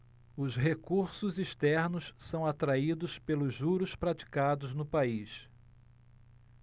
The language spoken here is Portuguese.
os recursos externos são atraídos pelos juros praticados no país